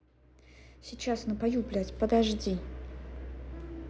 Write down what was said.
сейчас напою блядь подожди